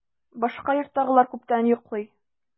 Башка йорттагылар күптән йоклый.